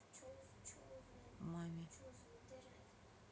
маме